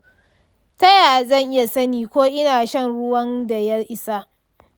ta yaya zan iya sani ko ina shan ruwan da ya isa?